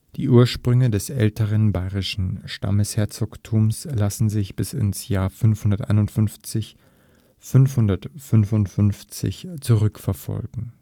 Die Ursprünge des älteren baierischen Stammesherzogtums lassen sich bis ins Jahr 551/555 zurückverfolgen